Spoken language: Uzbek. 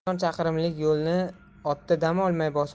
u sakson chaqirimlik yo'lni otda dam olmay